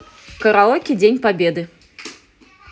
караоке день победы